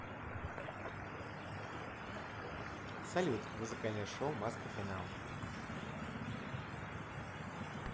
салют музыкальные шоу маска финал